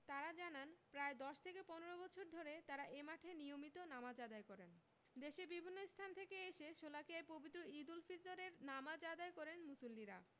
তাঁরা জানান প্রায় ১০ থেকে ১৫ বছর ধরে তাঁরা এ মাঠে নিয়মিত নামাজ আদায় করেন দেশের বিভিন্ন স্থান থেকে এসে শোলাকিয়ায় পবিত্র ঈদুল ফিতরের নামাজ আদায় করেন মুসল্লিরা